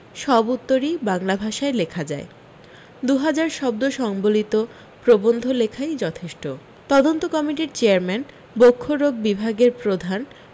সব উত্তরই বাংলা ভাষায় লেখা যায় দুহাজার শব্দ সম্বলিত প্রবন্ধ লেখাই যথেষ্ট তদন্ত কমিটির চেয়ারম্যান বক্ষরোগ বিভাগের প্রধান